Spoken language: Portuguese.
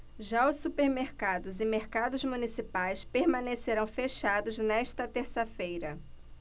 já os supermercados e mercados municipais permanecerão fechados nesta terça-feira